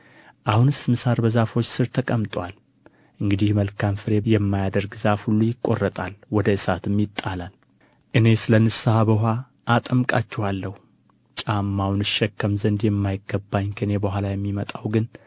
አሁንስ ምሳር በዛፎች ሥር ተቀምጦአል እንግዲህ መልካም ፍሬ የማያደርግ ዛፍ ሁሉ ይቈረጣል ወደ እሳትም ይጣላል እኔስ ለንስሐ በውኃ አጠምቃችኋለሁ ጫማውን እሸከም ዘንድ የማይገባኝ ከእኔ በኋላ የሚመጣው ግን